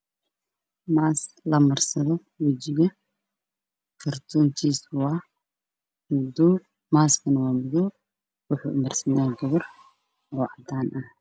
Meeshan waxa yaalo qalaf madow ah oo ay ku qoran tahay black marsk